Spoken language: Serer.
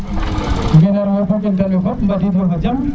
genar we fatick fop mbadi doyo fa jàm